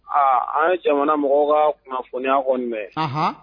Aa an ye jamana mɔgɔw ka kunnafoniya kɔn